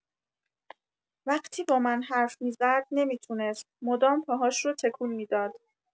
وقتی با من حرف می‌زد نمی‌تونست مدام پاهاش رو تکون می‌داد.